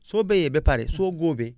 soo bayee ba pare soo góobee